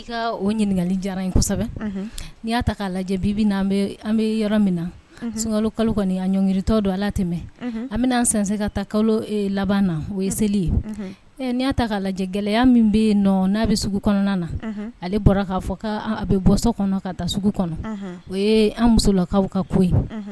O ɲininkalia' lajɛ bi an bɛ yɔrɔ min na sunka kalo ɲɔngiritɔ don ala tɛmɛ an bɛna an sen ka taa kalo laban o ye seli ye n'ia ta' lajɛ gɛlɛyaya min bɛ yen n'a bɛ sugu kɔnɔna na ale bɔra k'a fɔ a bɛ bɔso kɔnɔ ka taa sugu kɔnɔ o ye an musolakaw ka ko